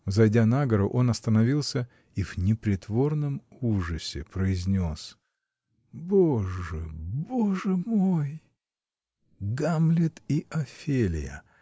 Взойдя на гору, он остановился и в непритворном ужасе произнес: — Боже, Боже мой! Гамлет и Офелия!